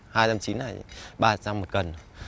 hai trăm chín đến ba trăm một cân